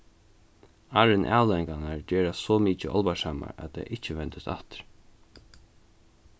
áðrenn avleiðingarnar gerast so mikið álvarsamar at tað ikki vendist aftur